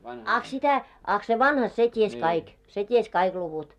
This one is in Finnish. ah sitä ah se vanha se tiesi kaikki se tiesi kaikki luvut